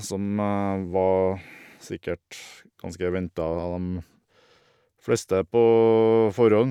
Som var sikkert ganske venta av dem fleste på forhånd.